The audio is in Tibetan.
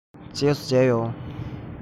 རྗེས སུ མཇལ ཡོང